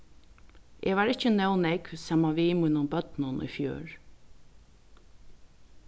eg var ikki nóg nógv saman við mínum børnum í fjør